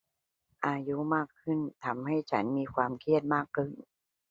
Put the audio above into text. อายุมากขึ้นทำให้ฉันมีความเครียดมากขึ้น